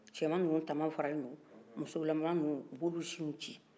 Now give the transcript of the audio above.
cɛma nunu tama faralen don musoma nunu u b'olu sin ci